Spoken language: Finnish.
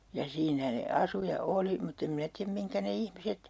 ja siinä ne asui ja oli mutta en minä tiedä mihin ne ihmiset